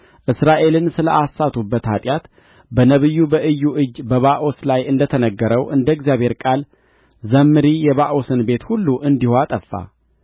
እስራኤልን ስለ አሳቱበት ኃጢአት በነቢዩ በኢዩ እጅ በባኦስ ላይ እንደ ተናገረው እንደ እግዚአብሔር ቃል ዘምሪ የባኦስን ቤት ሁሉ እንዲሁ አጠፋ